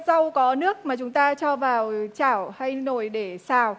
giàu có nước mà chúng ta cho vào chảo hay nồi để xào